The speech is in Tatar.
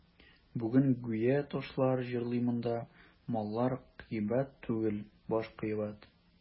Бүген гүя ташлар җырлый монда: «Маллар кыйбат түгел, баш кыйбат».